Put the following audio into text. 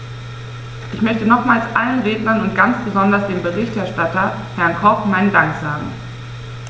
Ich möchte nochmals allen Rednern und ganz besonders dem Berichterstatter, Herrn Koch, meinen Dank sagen.